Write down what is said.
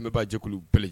Nb b'ajɛkuluele